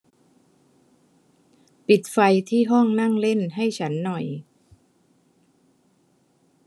ปิดไฟที่ห้องนั่งเล่นให้ฉันหน่อย